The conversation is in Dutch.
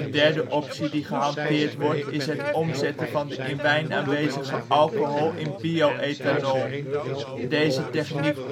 derde optie die gehanteerd wordt is het omzetten van de in wijn aangetroffen alcohol in bio-ethanol. Deze techniek